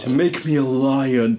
To make me a lion!